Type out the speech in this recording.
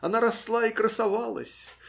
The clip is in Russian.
она росла и красовалась